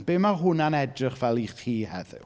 Be ma' hwnna'n edrych fel i chi heddiw?